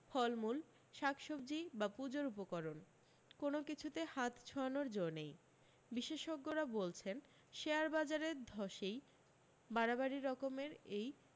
ফলমূল শাকসবজি বা পূজোর উপকরণ কোনও কিছুতে হাত ছোঁয়ানোর জো নেই বিশেষজ্ঞরা বলছেন শেয়ার বাজারে ধসৈ বাড়াবাড়ি রকমের এই